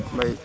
mbay